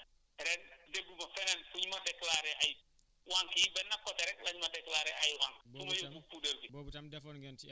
daaw picc yi ñoo gën a b¨£eri li ñu yàq ren dégguma feneen fu ñu ma déclarer ay wànq yi benn côté rek la ñu ma déclarer ay wànq